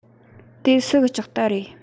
དེ སུ གི ལྕགས རྟ རེད